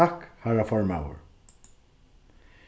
takk harra formaður